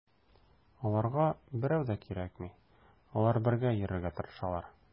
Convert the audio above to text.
Аларга берәү дә керми, алар бергә йөрергә тырышалар.